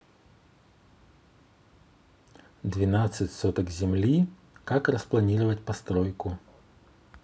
двенадцать соток земли как распланировать постройку